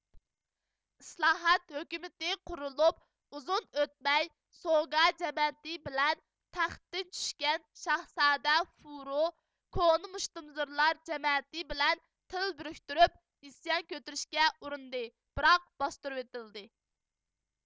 ئىسلاھات ھۆكۈمىتى قۇرۇلۇپ ئۇزۇن ئۆتمەي سوگا جەمەتى بىلەن تەختتىن چۈشكەن شاھزادە فۇرو كونا مۇشتۇمزورلار جەمەتى بىلەن تىل بىرىكتۈرۈپ ئىسيان كۆتۈرۈشكە ئۇرۇندى بىراق باستۇرۇۋېتىلدى